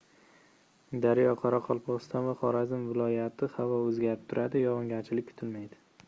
daryo qoraqalpog'iston va xorazm viloyatihavo o'zgarib turadi yog'ingarchilik kutilmaydi